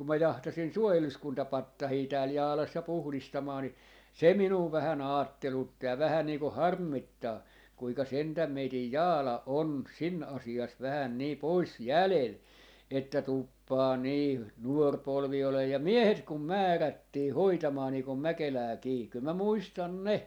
kun minä jahtasin suojeluskuntapatsaita täällä Jaalassa ja puhdistamaan niin se minua vähän ajattelutti ja vähän niin kuin harmittaa kuinka sentään meidän Jaala on siinä asiassa vähän niin pois jäljellä että tuppaa niin nuori polvi olemaan ja miehet kun määrättiin hoitamaan niin kuin Mäkelääkin kyllä minä muistan ne